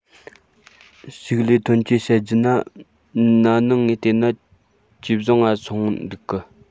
ཕྱུགས ལས ཐོན སྐྱེད བཤད རྒྱུ ན ན ནིང ང བལྟས ན ཇེ བཟང ང སོང ོད གི